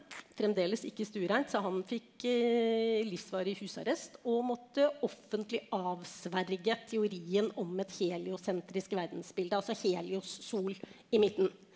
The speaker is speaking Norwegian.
fremdeles ikke stuereint, så han fikk livsvarig husarrest og måtte offentlig avsverge teorien om et heliosentrisk verdensbilde altså helios sol i midten.